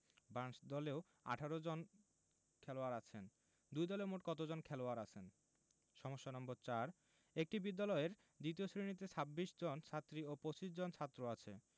বাংলাদেশ দলেও ১৮ জন খেলোয়াড় আছেন দুই দলে মোট কতজন খেলোয়াড় আছেন সমস্যা নম্বর ৪ একটি বিদ্যালয়ের দ্বিতীয় শ্রেণিতে ২৬ জন ছাত্রী ও ২৫ জন ছাত্র আছে